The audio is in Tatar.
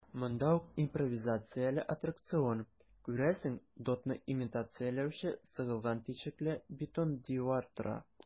Монда ук импровизацияле аттракцион - күрәсең, дотны имитацияләүче сыгылган тишекле бетон дивар тора.